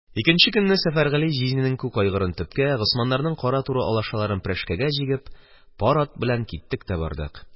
Икенче көнне, Сәфәргали җизнинең күк айгырын – төпкә, Госманнарның кара туры алашаларын прәшкәгә җигеп, пар ат белән киттек тә бардык.